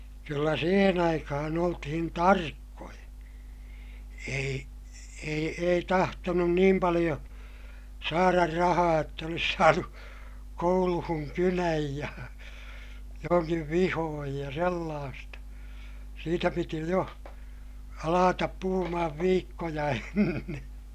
kyllä siihen aikaan oltiin tarkkoja ei ei ei tahtonut niin paljon saada rahaa jotta olisi saanut kouluun kynän ja jonkin vihon ja sellaista siitä piti jo alkaa puhumaan viikkoja ennen